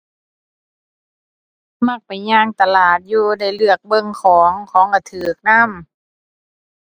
มักไปย่างตลาดอยู่ ได้เลือกเบิ่งของ ของก็ก็นำ